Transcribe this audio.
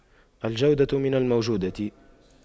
الجودة من الموجودة